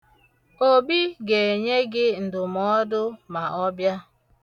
Obi ga-enye gị ǹdụ̀mọọdụ ma ọ bịa.